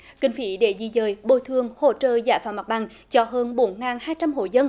kinh phí để di dời bồi thường hỗ trợ giải phóng mặt bằng cho hơn bốn ngàn hai trăm hộ dân